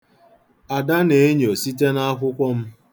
Ada na-enyo site n'akwụkwọ m.